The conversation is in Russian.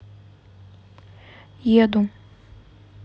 еду